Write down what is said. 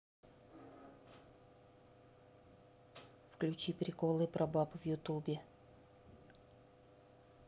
включи приколы про баб в ютубе